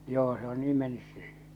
joo se on niin mennyt se